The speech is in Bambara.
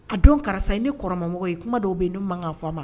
A don karisa ye ni kɔrɔmamɔgɔ ye kuma dɔw bɛ ne mankankan fa ma